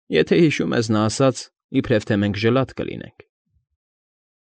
Եթե հիշում ես, նա ասաց, իբրև թե մենք ժլատ կլինենք։